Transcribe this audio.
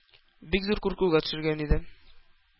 Бик зур куркуга төшергән иде.